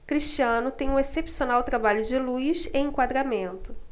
cristiano tem um excepcional trabalho de luz e enquadramento